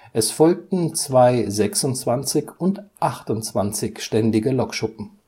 Es folgten zwei 26 - und 28-ständige Lokschuppen